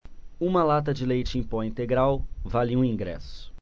uma lata de leite em pó integral vale um ingresso